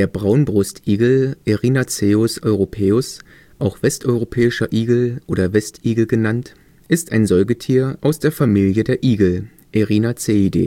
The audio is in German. Braunbrustigel (Erinaceus europaeus), auch Westeuropäischer Igel oder Westigel genannt, ist ein Säugetier aus der Familie der Igel (Erinaceidae